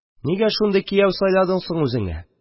– нигә шундый кияү сайладың соң үзеңә?